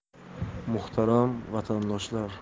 muhtaram vatandoshlar